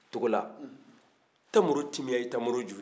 tamaro timiya ye tamaro ju de ye